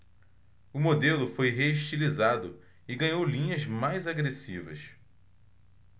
o modelo foi reestilizado e ganhou linhas mais agressivas